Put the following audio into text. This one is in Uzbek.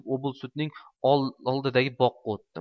oblsudning oldidagi boqqa o'tdim